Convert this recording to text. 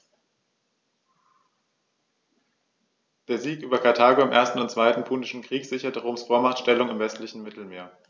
Der Sieg über Karthago im 1. und 2. Punischen Krieg sicherte Roms Vormachtstellung im westlichen Mittelmeer.